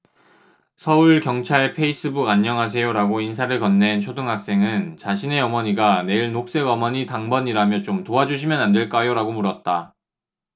서울 경찰 페이스북안녕하세요라고 인사를 건넨 초등학생은 자신의 어머니가 내일 녹색 어머니 당번이라며 좀 도와주시면 안될까요라고 물었다